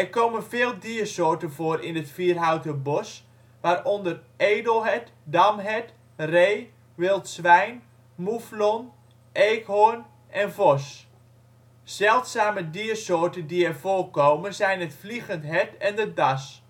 komen veel diersoorten voor in het Vierhouterbos, waaronder: edelhert, damhert, ree, wild zwijn, moeflon, eekhoorn en vos. Zeldzame diersoorten die er voorkomen zijn het vliegend hert en de das